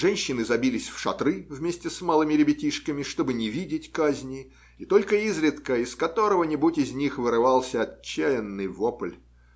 женщины забились в шатры вместе с малыми ребятишками, чтобы не видеть казни, и только изредка из которого-нибудь из них вырывался отчаянный вопль